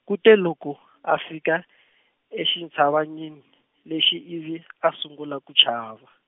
kute loko a fika exintshabyanini lexi ivi , a sungula ku chava.